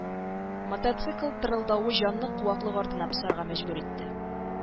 Мотоцикл тырылдавы жанны-куаклык артына посарга мәҗбүр итте